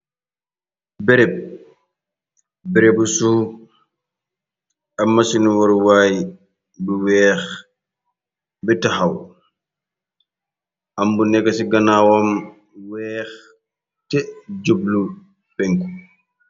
bereb, bereb su, ama sinu waruwaay bu weex, bi taxaw, ambu nekk ci ganawam, weex, te jublu fenku.